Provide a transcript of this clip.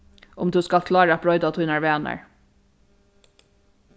um tú skalt klára at broyta tínar vanar